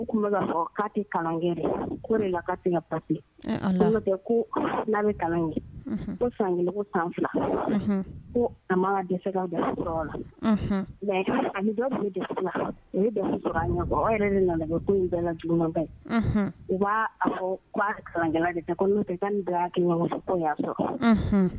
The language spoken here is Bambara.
'a fɔ kalankɛ ko la ka pa ko kalan kɛ ko sanko san fila ko a ma dɛsɛse la nka ani dɔ bi dɛsɛ la o ɲɛ yɛrɛ nana bɛɛ la jugu ɲuman u b'a ɲɔgɔn ko sɔrɔ